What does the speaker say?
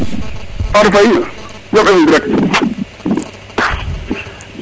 Fatou Faye Ndiob Fm direct